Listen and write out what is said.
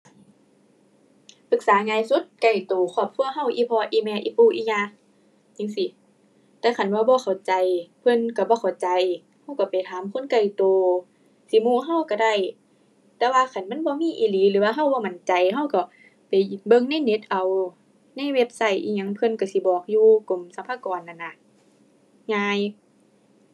ปรึกษาง่ายสุดใกล้ตัวครอบครัวตัว อีพ่อ อีแม่ อีปู่ อีย่า จั่งซี้ แต่คันว่าบ่เข้าใจ เพิ่นตัวบ่เข้าใจ ตัวตัวไปถามคนใกล้ตัว สิหมู่ตัวตัวได้ แต่ว่าคันมันบ่มีอีหลีหรือว่าตัวบ่มั่นใจ ตัวก็ไปเบิ่งในเน็ตเอา ในเว็บไซต์อิหยังเพิ่นตัวสิบอกอยู่ กรมสรรพากรนั่นน่ะ ง่าย